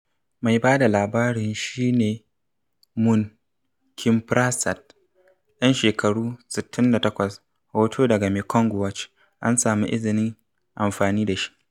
Mai ba da labarin shi ne Mun Kimprasert, ɗan shekaru 68, Hoto daga Mekong Watch, an samu izinin amfani da shi.